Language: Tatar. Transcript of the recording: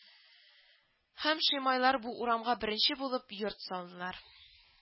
Һәм Шимайлар бу урамга беренче булып йорт салдылар